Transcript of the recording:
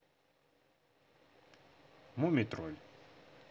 мумий тролли